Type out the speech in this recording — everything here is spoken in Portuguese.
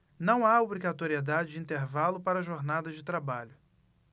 não há obrigatoriedade de intervalo para jornadas de trabalho